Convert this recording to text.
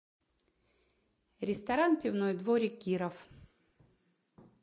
ресторан пивной дворик киров